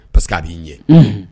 Pa parce que k'a' n jɛ